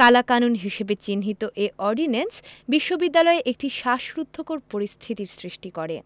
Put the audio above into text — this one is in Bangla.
কালাকানুন হিসেবে চিহ্নিত এ অর্ডিন্যান্স বিশ্ববিদ্যালয়ে একটি শ্বাসরুদ্ধকর পরিস্থিতির সৃষ্টি করে